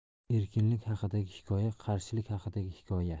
erkinlik haqidagi hikoya qarshilik haqidagi hikoya